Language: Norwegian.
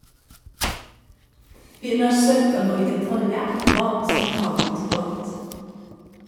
- Vi undersøker nå i detalj hva som har gått galt.